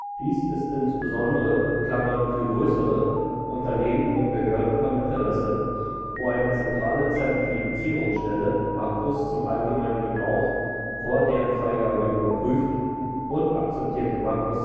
Dies ist insbesondere für (größere) Unternehmen und Behörden von Interesse, wo eine zentrale Zertifizierungsstelle Makros zum allgemeinen Gebrauch vor deren Freigabe überprüft und akzeptierte Makros